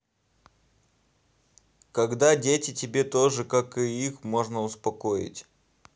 когда дети тебе тоже как и их можно успокоить